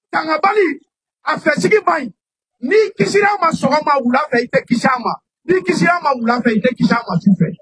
Sangabali a fɛtigiba ɲi ni kisi an ma sɔgɔma wulafɛ i tɛ kisi ma ni kisiya ma wulafɛ fɛ i tɛ kisi mafɛ